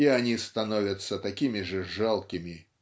и они становятся такими же жалкими